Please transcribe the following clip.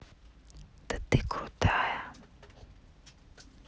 да ты крутая